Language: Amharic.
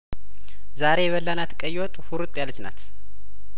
ዛሬ የበላናት ቀይወጥ ሁርጥ ያለችናት